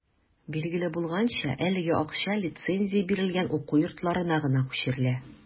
Билгеле булганча, әлеге акча лицензия бирелгән уку йортларына гына күчерелә.